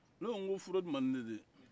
ne ko ko furodi man di ne de ye